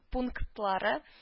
Пунктлары